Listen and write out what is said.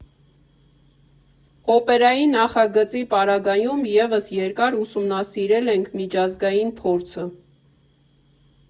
Օպերայի նախագծի պարագայում ևս, երկար ուսումնասիրել ենք միջազգային փորձը։